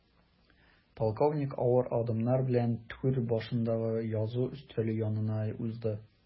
Полковник авыр адымнар белән түр башындагы язу өстәле янына узды.